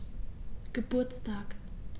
Geburtstag